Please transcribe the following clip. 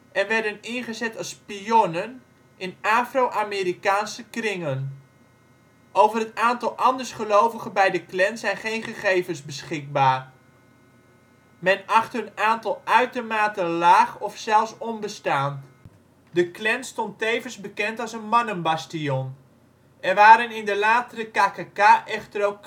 en werden ingezet als spionnen in Afro-Amerikaanse kringen. Over het aantal andersgelovigen bij de Klan zijn geen gegevens beschikbaar. Men acht hun aantal uitermate laag of zelfs onbestaand. De Klan stond tevens bekend als een mannenbastion. Er waren in de latere KKK echter ook